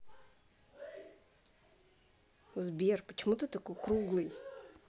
сбер почему ты такой круглый